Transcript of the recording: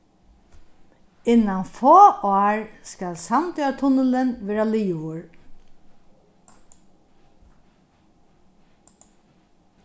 innan fá ár skal sandoyartunnilin vera liðugur